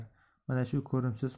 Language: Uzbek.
mana shu ko'rimsiz